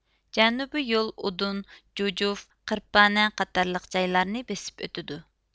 جەنۇبىي يول ئۇدۇن جۇجۇف قىرپانە قاتارلىق جايلارنى بېسىپ ئۆتىدۇ